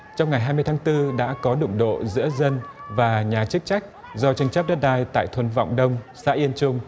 trong ngày hai mươi tháng tư đã có đụng độ giữa dân và nhà chức trách do tranh chấp đất đai tại thôn vọng đông xã yên trung